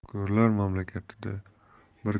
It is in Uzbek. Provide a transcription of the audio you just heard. ko'rlar mamlakatida bir